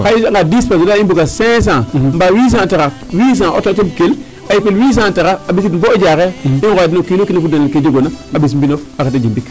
Xaye i njeganga dix personnes wa layna a mbuga cinq cent mbaa huit cent taxar huit cent o auto le a tegkel a yipel huit cent taxar a ɓisiidin bo o Diarekh i ngooya den o kiin o kiin a fudnanel ke jegoona a ɓis mbindof a ret a jimbik.